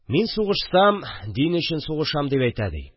Мин сугышсам дин өчен сугышам, дип әйтә ди